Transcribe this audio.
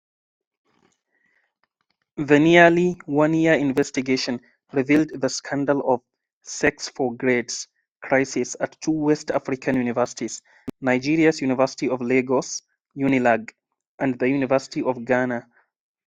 The nearly one-year investigation revealed the scandal of “sex for grades” crises at two West African universities: Nigeria's University of Lagos (UNILAG) and the University of Ghana.